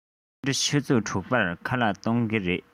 ཕྱི དྲོ ཆུ ཚོད དྲུག པར ཁ ལག གཏོང གི རེད